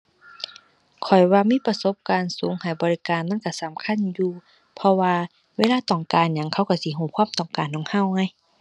ข้อยว่ามีประสบการณ์สูงให้บริการมันก็สำคัญอยู่ เพราะว่าเวลาต้องการหยัง เขาก็สิก็ความต้องการของก็ไง